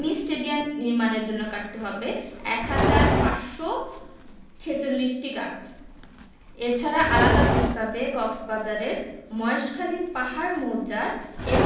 কাপাসিয়া উপজেলায় mini stadium নির্মাণের জন্য কাটতে হবে এক হাজার ৫৪৬টি গাছ এছাড়া আলাদা প্রস্তাবে কক্সবাজারের